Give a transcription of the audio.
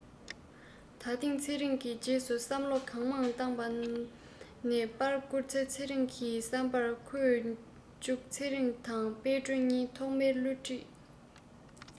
ད ཐེངས ཚེ རིང གིས རྗེས སུ བསམ བློ གང མང བཏང ནས པར བསྐུར ཚེ རིང གི བསམ པར ཁོས མཇུག ཚེ རིང དང དཔལ སྒྲོན གཉིས ཐོག མའི བསླུ བྲིད